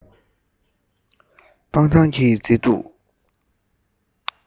སྤང ཐང གི མཛེས སྡུག